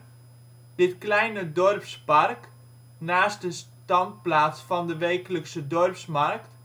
kleine dorpspark, naast de stand plaats van de wekelijkse dorpsmarkt